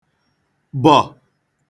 bọ̀